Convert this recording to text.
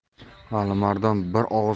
alimardon bir og'iz